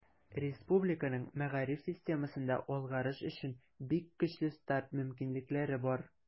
Республиканың мәгариф системасында алгарыш өчен бик көчле старт мөмкинлекләре бар.